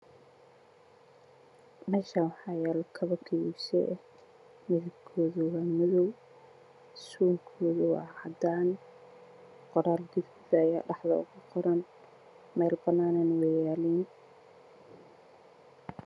Meeshaan waxaa yaalo kabo kuyuuse ah midabkoodu waa madow suunkoodu cadaan, qoraal gaduud ah ayaa dhexda oga qoran meel banaan ah ayay yaalaan.